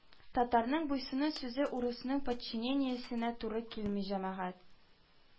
Татарның "буйсыну" сүзе урысның "подчинение"сенә туры килми, җәмәгать